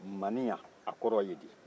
ma-ni yan a kɔrɔ ye di